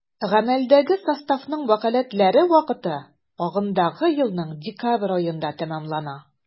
Гамәлдәге составның вәкаләтләре вакыты агымдагы елның декабрь аенда тәмамлана.